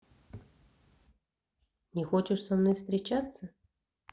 не хочешь со мной встречаться